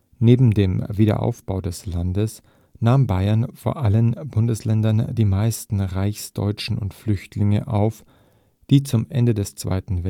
Neben dem Wiederaufbau des Landes nahm Bayern von allen Bundesländern die meisten Reichsdeutschen und Flüchtlinge auf, die zum Ende des Zweiten